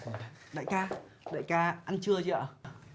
đại ca đại ca ăn trưa chưa ạ